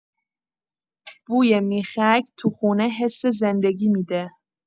بوی میخک تو خونه حس زندگی می‌ده.